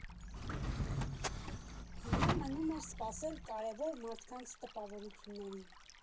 Հիմա մնում էր սպասել կարևոր մարդկանց տպավորություններին։